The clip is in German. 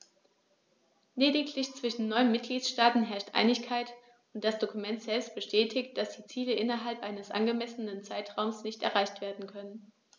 Lediglich zwischen neun Mitgliedsstaaten herrscht Einigkeit, und das Dokument selbst bestätigt, dass die Ziele innerhalb eines angemessenen Zeitraums nicht erreicht werden können.